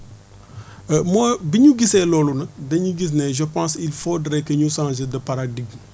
moo bi ñu gisee loolu nag dañu gis ne je pense il faudrait que ñu changer de pardigme